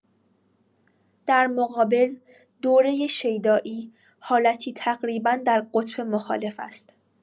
در مقابل، دوره شیدایی حالتی تقریبا در قطب مخالف است.